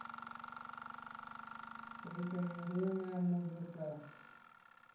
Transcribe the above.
рекомендуемая музыка